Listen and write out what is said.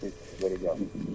waaleykum salaam wa rahmatulah